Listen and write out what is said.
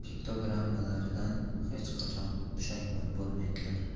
piktogrammalaridan hech qachon pushaymon bo'lmaydilar